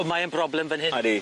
Ond mae e'n broblem fyn hyn. Odi.